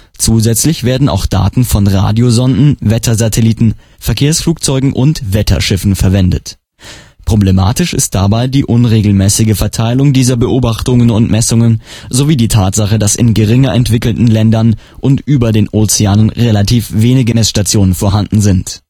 Zusätzlich werden auch Daten von Radiosonden, Wettersatelliten, Verkehrsflugzeugen und Wetterschiffen verwendet. Problematisch ist dabei die unregelmäßige Verteilung dieser Beobachtungen und Messungen, sowie die Tatsache, dass in geringer entwickelten Ländern und über den Ozeanen relativ wenige Messstationen vorhanden sind